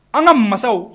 An ŋa masaw